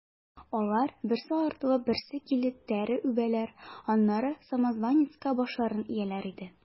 Алар, берсе артлы берсе килеп, тәре үбәләр, аннары самозванецка башларын ияләр иде.